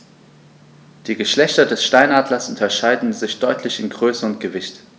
Die Geschlechter des Steinadlers unterscheiden sich deutlich in Größe und Gewicht.